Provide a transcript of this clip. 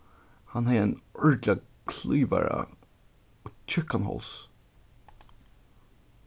hann hevði ein ordiliga klyvara og tjúkkan háls